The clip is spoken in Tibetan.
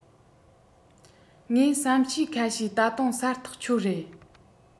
ངས བསམ ཤེས ཁ ཤས ད དུང གསལ ཐག ཆོད རེད